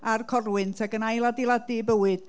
a'r corwynt, ac yn ail-adeiladu eu bywyd.